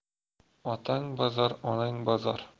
otang bozor onang bozor